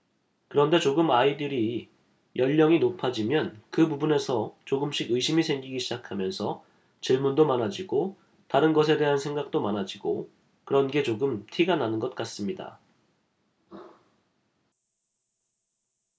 그런데 조금 아이들이 연령이 높아지면 그 부분에서 조금씩 의심이 생기기 시작하면서 질문도 많아지고 다른 것에 대한 생각도 많아지고 그런 게 조금 티가 나는 것 같습니다